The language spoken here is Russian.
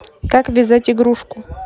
как вязать игрушку